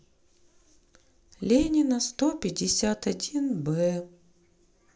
ленина сто пятьдесят один б